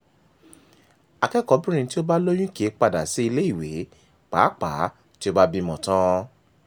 Akẹ́kọ̀ọ́bìnrin tí ó bá lóyún kì í padà sí ilé ìwé pàápàá tí ó bá bímọ tán.